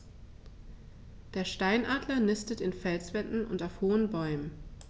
Der Steinadler nistet in Felswänden und auf hohen Bäumen.